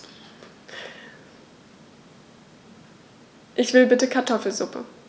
Ich will bitte Kartoffelsuppe.